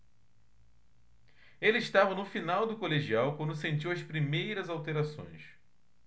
ele estava no final do colegial quando sentiu as primeiras alterações